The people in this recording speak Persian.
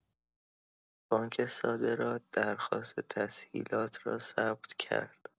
بانک صادرات درخواست تسهیلات را ثبت کرد.